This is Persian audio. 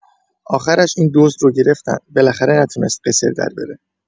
آخرش این دزد رو گرفتن، بالاخره نتونست قسر دربره.